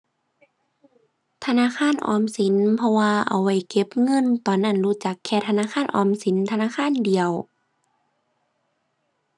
ธนาคารออมสิน เพราะว่าเอาไว้เก็บเงิน ตอนนั้นรู้จักแค่ธนาคารออมสินธนาคารเดียว